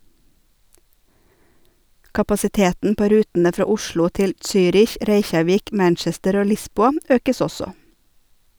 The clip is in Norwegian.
Kapasiteten på rutene fra Oslo til Zürich, Reykjavik, Manchester og Lisboa økes også.